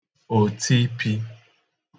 òtipī